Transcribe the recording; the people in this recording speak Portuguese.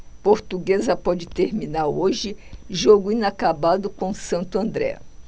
portuguesa pode terminar hoje jogo inacabado com o santo andré